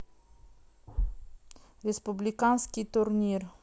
республиканский турнир